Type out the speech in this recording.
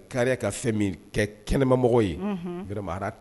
Kɛnɛmɔgɔ